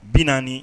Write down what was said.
Bi naani